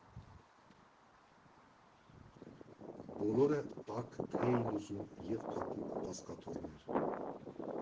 Բոլորը տաք թեյ էին ուզում և փափուկ բազկաթոռներ։